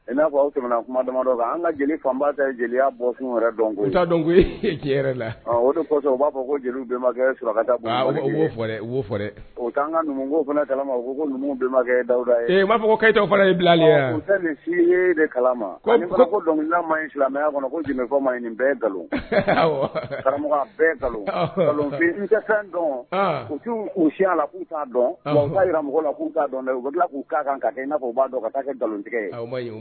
I n'a aw tɛm kuma damadɔ ka jeli fanba ta jeliya bɔ osɔ u b'a fɔ jeliwba surakaka an ka kala ko kobakɛ dada ye e b'a fɔ bila ye de kalamaa silamɛya kɔnɔ ko ma nin karamɔgɔ fɛn dɔn k'u siya la k'u'a dɔna jira la k'u dɔn u bɛ tila k'u' kan ka kɛ na b'a dɔn ka taa kɛ nkalontigɛ ye